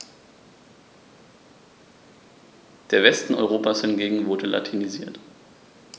Der Westen Europas hingegen wurde latinisiert.